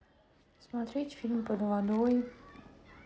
смотреть фильм под водой